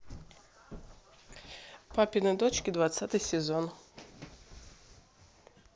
папины дочки двадцатый сезон